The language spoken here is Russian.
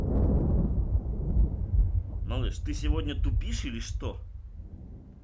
малыш ты сегодня тупишь или что